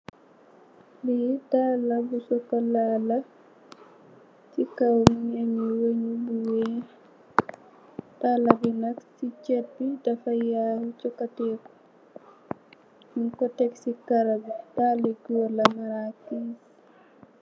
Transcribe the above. Lii nak daala bu sokolaa la, si kow mu ngi am lu nyuul si kow, dalla bi nak si kow dafa yaa, nyung ko tek si karo bi.